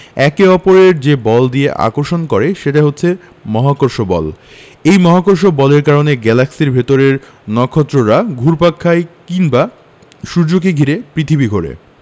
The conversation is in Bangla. একে অপরকে যে বল দিয়ে আকর্ষণ করে সেটাই হচ্ছে মহাকর্ষ বল এই মহাকর্ষ বলের কারণে গ্যালাক্সির ভেতরে নক্ষত্ররা ঘুরপাক খায় কিংবা সূর্যকে ঘিরে পৃথিবী ঘোরে